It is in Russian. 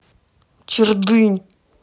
чердынь